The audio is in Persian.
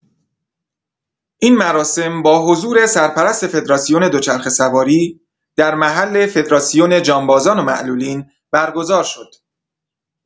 این مراسم با حضور سرپرست فدراسیون دوچرخه‌سواری، در محل فدراسون جانبازان و معلولین برگزار شد.